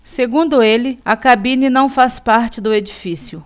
segundo ele a cabine não faz parte do edifício